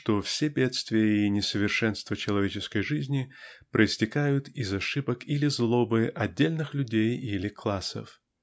что все бедствия и несовершенства человеческой жизни проистекают из ошибок или злобы отдельных людей или классов.